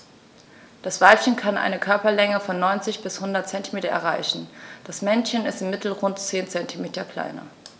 Das Weibchen kann eine Körperlänge von 90-100 cm erreichen; das Männchen ist im Mittel rund 10 cm kleiner.